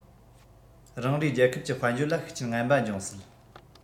རང རེའི རྒྱལ ཁབ ཀྱི དཔལ འབྱོར ལ ཤུགས རྐྱེན ངན པ འབྱུང སྲིད